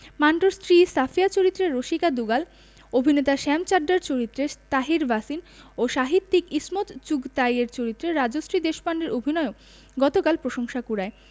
মান্টোর স্ত্রী সাফিয়া চরিত্রে রসিকা দুগাল অভিনেতা শ্যাম চাড্ডার চরিত্রে তাহির ভাসিন ও সাহিত্যিক ইসমত চুগতাইয়ের চরিত্রে রাজশ্রী দেশপান্ডের অভিনয়ও গতকাল প্রশংসা কুড়ায়